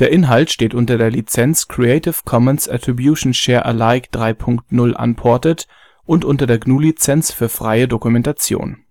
Inhalt steht unter der Lizenz Creative Commons Attribution Share Alike 3 Punkt 0 Unported und unter der GNU Lizenz für freie Dokumentation